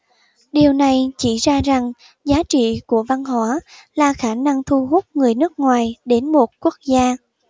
điều này chỉ ra rằng giá trị của văn hóa là khả năng thu hút người nước ngoài đến một quốc gia